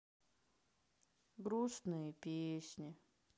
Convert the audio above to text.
грустные песни